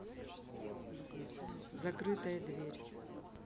закрытая дверь